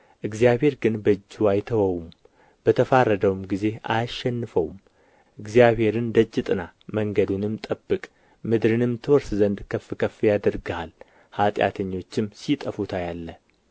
እግዚአብሔር ግን በእጁ አይተወውም በተፋረደውም ጊዜ አያሸንፈውም እግዚአብሔርን ደጅ ጥና መንገዱንም ጠብቅ ምድርንም ትወርስ ዘንድ ከፍ ከፍ ያደርግሃል ኃጢአተኞችም ሲጠፉ ታያለህ